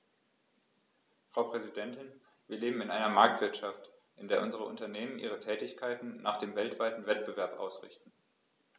Frau Präsidentin, wir leben in einer Marktwirtschaft, in der unsere Unternehmen ihre Tätigkeiten nach dem weltweiten Wettbewerb ausrichten.